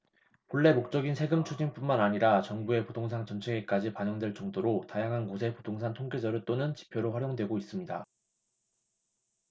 본래 목적인 세금추징뿐만 아니라 정부의 부동산 정책에까지 반영될 정도로 다양한 곳에 부동산 통계자료 또는 지표로 활용되고 있습니다